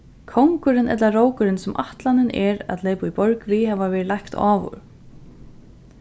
kongurin ella rókurin sum ætlanin er at leypa í borg við hava verið leikt áður